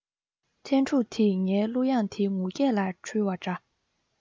ཐན ཕྲུག དེས ངའི གླུ དབྱངས དེ ངུ སྐད ལ འཁྲུལ བ འདྲ